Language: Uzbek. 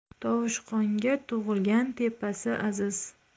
tovushqonga tug'ilgan tepasi aziz